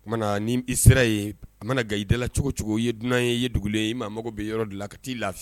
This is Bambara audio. O kumana na ni i sera ye a mana nka i dala cogo cogo ye dunan ye dugu ye i maa mago bɛ yɔrɔ de la ka t'i lafi